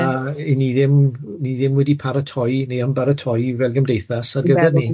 A 'y ni ddim ni ddim wedi paratoi neu ymbaratoi fel gymdeithas ar gyfer 'ny.